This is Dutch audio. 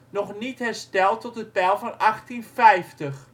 nog niet hersteld tot het peil van 1850